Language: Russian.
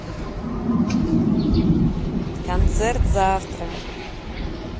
концерт завтра